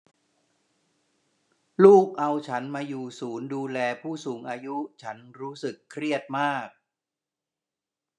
ลูกเอาฉันมาอยู่ศูนย์ดูแลผู้สูงอายุฉันรู้สึกเครียดมาก